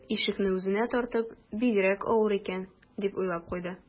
Ишекне үзенә тартып: «Бигрәк авыр икән...», - дип уйлап куйды